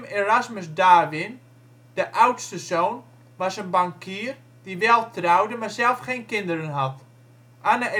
Erasmus Darwin (1839-1914), de oudste zoon, was een bankier die wel trouwde maar zelf geen kinderen had. Anne